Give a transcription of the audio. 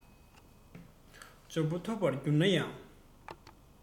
འབྱོར པ ཐོབ པར གྱུར ན ཡང